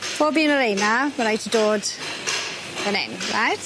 Bob un o reina ma' raid ti dod fan 'yn, reit?